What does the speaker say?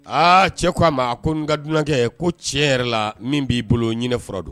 Aa cɛ ko a ma a ko n ka dunankɛ ko cɛ yɛrɛ la min b'i bolo ɲinin fɔlɔ don